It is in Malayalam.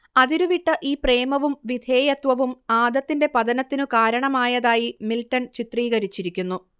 അതിരുവിട്ട ഈ പ്രേമവും വിധേയത്വവും ആദത്തിന്റെ പതനത്തിനു കാരണമായതായി മിൽട്ടൺ ചിത്രീകരിച്ചിരിക്കുന്നു